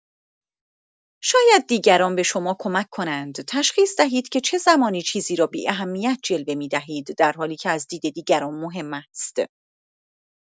شاید دیگران به شما کمک کنند تشخیص دهید که چه زمانی چیزی را بی‌اهمیت جلوه می‌دهید، درحالی که از دید دیگران مهم است.